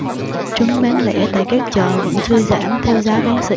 trứng bán lẻ tại các chợ vẫn chưa giảm theo giá bán sỉ